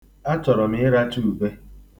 Achọrọ m ịracha ube.